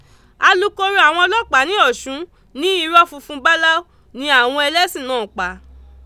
Alukoro àwọn ọlọ́pàá ní Ọ̀ṣun ní irọ́ funfun báláú ni àwọn ẹlẹ́sìn náà ń pa.